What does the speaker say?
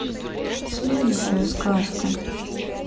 следующая сказка